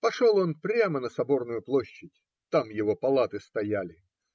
Пошел он прямо на соборную площадь: там его палаты стояли.